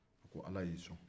ala y'e sɔn